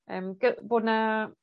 yym gy- bod 'na